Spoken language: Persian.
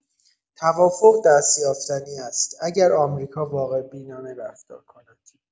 توافق دست‌یافتنی است اگر آمریکا واقع‌بینانه رفتار کند.